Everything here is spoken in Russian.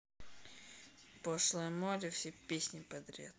пошлая молли все песни подряд